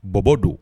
Bɔbɔ don.